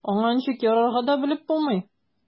Аңа ничек ярарга да белеп булмый.